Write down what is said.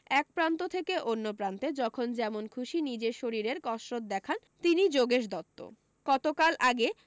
এক প্রান্ত থেকে অন্য প্রান্তে যখন যেমন খুশি নিজের শরীরের কসরত দেখান তিনি যোগেশ দত্ত কত কাল আগে